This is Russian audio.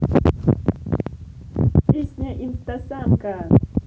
песня instasamka